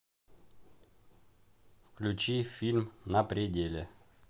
включи фильм на пределе